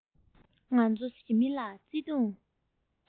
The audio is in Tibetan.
ང ཚོ ཞི མི ལ བརྩེ དུང